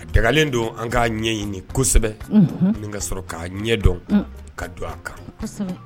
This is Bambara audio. A dagalen don an k ka ɲɛɲini kosɛbɛ min ka sɔrɔ k'a ɲɛ dɔn ka don a kan